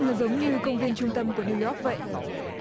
nó giống như công viên trung tâm của niu doóc vậy